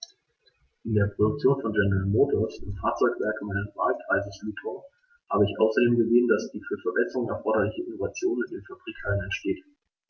In der Produktion von General Motors, im Fahrzeugwerk meines Wahlkreises Luton, habe ich außerdem gesehen, dass die für Verbesserungen erforderliche Innovation in den Fabrikhallen entsteht.